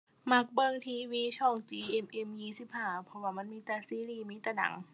มักเบิ่ง TV ช่อง GMM25 เพราะว่ามันมีแต่ซีรีส์มีแต่หนัง